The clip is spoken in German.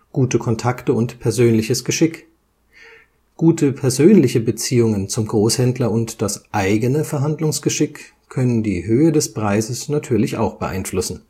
Gute Kontakte und persönliches Geschick: Gute persönliche Beziehungen zum Großhändler und das eigene Verhandlungsgeschick können die Höhe des Preises natürlich auch beeinflussen